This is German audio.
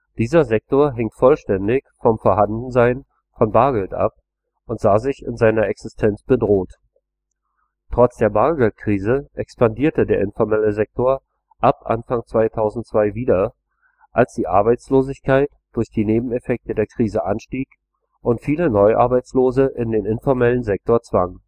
Dieser Sektor hängt vollständig vom Vorhandensein von Bargeld ab und sah sich in seiner Existenz bedroht. Trotz der Bargeldkrise expandierte der informelle Sektor ab Anfang 2002 wieder, als die Arbeitslosigkeit durch die Nebeneffekte der Krise anstieg und viele Neu-Arbeitslose in den informellen Sektor zwang